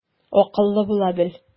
Акыллы була бел.